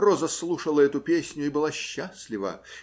Роза слушала эту песню и была счастлива